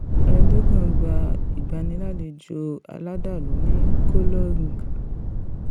Erdogan gba ìgbanilálejò aládàlú ní Cologne